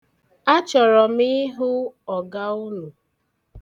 Achọrọ m ịhụ ọga unu.